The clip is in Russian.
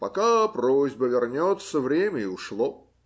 пока просьба вернется, время и ушло.